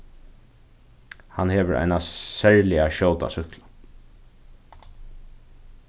hann hevur eina serliga skjóta súkklu